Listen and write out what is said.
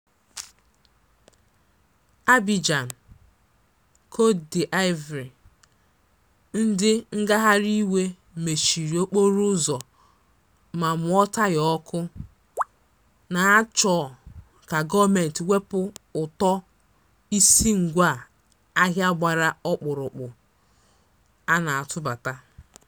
N'Abidjan, Cote d'Ivoire, ndị ngagharị iwe mechiri okporo ụzọ ma mụọ taya ọkụ, na-achọ ka gọọmentị wepụ ụtọ ịsị ngwa ahịa gbara ọkpọrụkpụ a na-atụbata.